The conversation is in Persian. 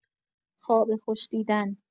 خواب خوش دیدن